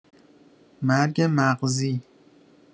مرگ مغزی